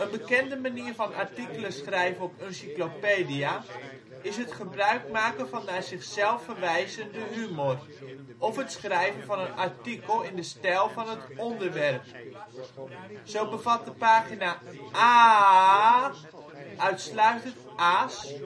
bekende manier van artikelen schrijven op Uncyclopedia is het gebruikmaken van naar zichzelf verwijzende humor, of het schrijven van een artikel in de stijl van het onderwerp. Zo bevat de pagina AAAAAAAAA! uitsluitend A 's